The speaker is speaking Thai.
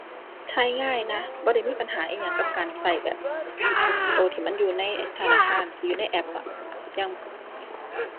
ใช้ง่ายนะ บ่ได้มีปัญหาอิหยังกับการใช้แบบใช้ที่มันอยู่ในธนาคาร ที่อยู่ในแอปอะ อย่าง